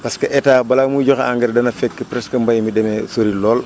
parce que état bala muy joxe engrais dana fekk presque mbay mi dana sori lool